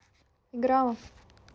играла